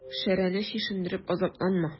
Шәрәне чишендереп азапланма.